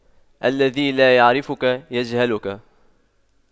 الذي لا يعرفك يجهلك